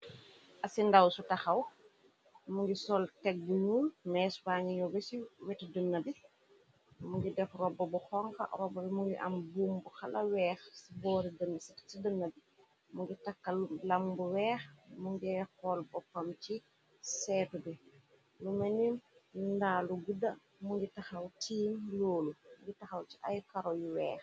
Asib ndawsu taxaw, mu ngi sol teg bu ñuul ,mees baa ngi ñaw ba ci wetu dënna bi. Mu ngi def rooba bu xoñxa. Roobu bu bi mu ngi am buum bu xala weex si boori dënna bi. Mu ngi takka lam bu weex mu ngiy xool boppam ci seetu bi. Lu melni ndaa lu gudda, mu ngi taxaw tiiñ loolu. Mu ngi taxaw ci ay karo yu weex.